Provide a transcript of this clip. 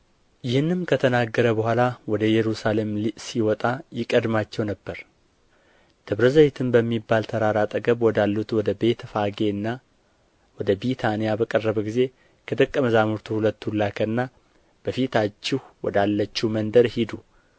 ይህንም ከተናገረ በኋላ ወደ ኢየሩሳሌም ሲወጣ ይቀድማቸው ነበር ደብረ ዘይትም በሚባል ተራራ አጠገብ ወዳሉት ወደ ቤተ ፋጌና ወደ ቢታንያ በቀረበ ጊዜ ከደቀ መዛሙርቱ ሁለቱን ላከና በፊታችሁ ወዳለችው መንደር ሂዱ